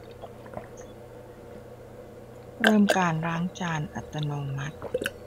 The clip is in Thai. เริ่มการล้างจานอัตโนมัติ